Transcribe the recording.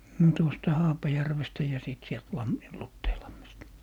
no tuosta Haapajärvestä ja sitten sieltä - Luteinlammesta